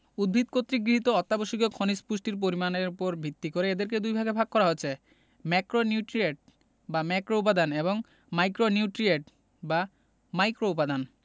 উদ্ভিদ কর্তৃক গৃহীত অত্যাবশ্যকীয় খনিজ পুষ্টির পরিমাণের উপর ভিত্তি করে এদেরকে দুইভাগে ভাগ করা হয়েছে ম্যাক্রোনিউট্রিয়েট বা ম্যাক্রোউপাদান এবং মাইক্রোনিউট্রিয়েট বা মাইক্রোউপাদান